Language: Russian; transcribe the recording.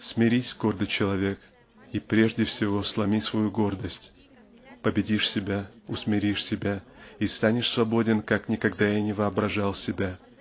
"Смирись, гордый человек, и прежде всего сломи свою гордость. Победишь себя усмиришь себя -- и станешь свободен как никогда и не воображал себе